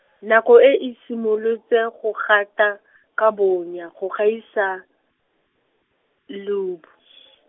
nako e e simolotse go gata, ka bonya go gaisa, leobu .